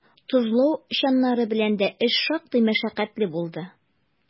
Тозлау чаннары белән дә эш шактый мәшәкатьле булды.